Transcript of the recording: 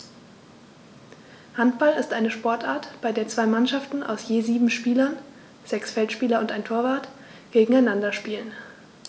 Handball ist eine Sportart, bei der zwei Mannschaften aus je sieben Spielern (sechs Feldspieler und ein Torwart) gegeneinander spielen.